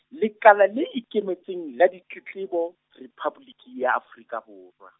Lekala le Ikemetseng la Ditletlebo, Rephaboliki ya Afrika Borwa.